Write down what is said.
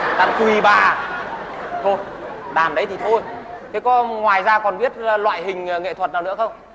đàn tùy bà thôi đàn đấy thì thôi thế có ngoài ra còn biết loại hình nghệ thuật nào nữa không